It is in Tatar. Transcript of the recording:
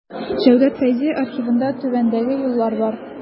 Җәүдәт Фәйзи архивында түбәндәге юллар бар.